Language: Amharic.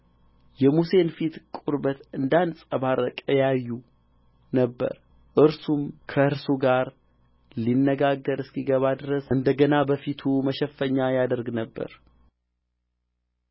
የሙሴን ፊት ቁርበት እንዳንጸባረቀ ያዩ ነበር እርሱም ከእርሱ ጋር ሊነጋገር እስኪገባ ድረስ እንደ ገና በፊቱ መሸፈኛ ያደርግ ነበር